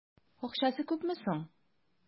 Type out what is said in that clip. Акчасы күпме соң?